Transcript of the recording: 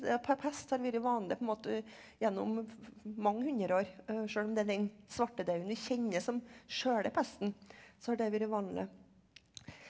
de pest har vært vanlig på en måte gjennom mange 100 år sjøl om det er den svartedauden vi kjenner som sjølve pesten så har det vært vanlig.